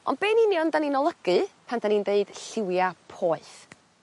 on' be' yn union 'dan ni'n olygu pan 'dan ni'n deud lliwia' poeth?